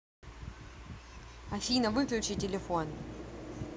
афина выключи телефон